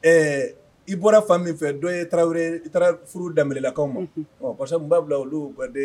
Ɛɛ i bɔra fa min fɛ dɔw ye tarawele furu dalakaw ma n b'a bila olusa de